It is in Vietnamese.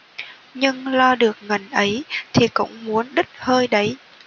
nhưng lo được ngần ấy thì cũng muốn đứt hơi đấy